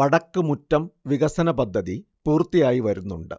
വടക്ക് മുറ്റം വികസനപദ്ധതി പൂർത്തിയായി വരുന്നുണ്ട്